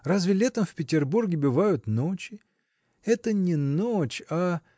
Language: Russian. разве летом в Петербурге бывают ночи? это не ночь, а.